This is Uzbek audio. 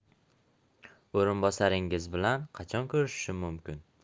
o'rinbosaringiz bilan qachon ko'rishishim mumkin